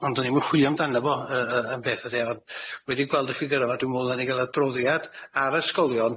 Ond o'n i'm yn chwilio amdano fo yy yy am beth ylly, ond wedi gweld y ffigyre 'ma, dwi'n me'wl ddyla ni ga'l adroddiad ar ysgolion